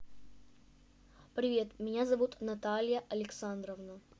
привет меня зовут наталья александровна